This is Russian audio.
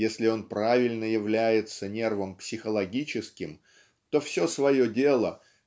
если он правильно является нервом психологическим то все свое дело